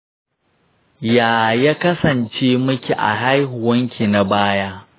ya ya kasance miki a haihuwanki na baya?